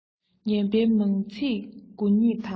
ངན པའི མང ཚིག དགུ ཉིད དམ